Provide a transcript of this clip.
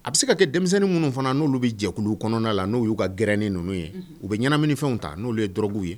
A bɛ se ka kɛ denmisɛnnin minnu fana n'olu bɛ jɛkulu kɔnɔnada la n' y'u ka gɛrɛrɛnnen n ninnu ye u bɛ ɲɛnaɛnɛmini fɛnw ta n'o yeɔrɔbuw ye